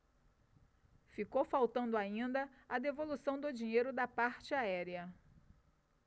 ficou faltando ainda a devolução do dinheiro da parte aérea